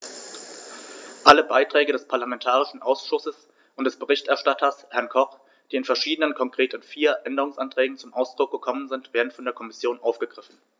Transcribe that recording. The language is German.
Alle Beiträge des parlamentarischen Ausschusses und des Berichterstatters, Herrn Koch, die in verschiedenen, konkret in vier, Änderungsanträgen zum Ausdruck kommen, werden von der Kommission aufgegriffen.